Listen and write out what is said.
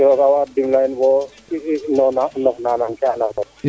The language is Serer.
rooga wa dimla in boo